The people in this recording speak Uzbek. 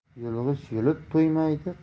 yulg'ich yulib to'ymaydi